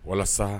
Walasa